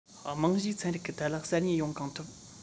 རྨང གཞིའི ཚན རིག གི ཐད ལ གསར རྙེད ཡོང གང ཐུབ